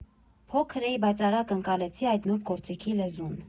Փոքր էի, բայց արագ ընկալեցի այդ նուրբ գործիքի «լեզուն»։